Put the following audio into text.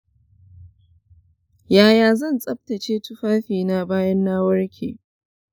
yaya zan tsabtace tufafina bayan na warke?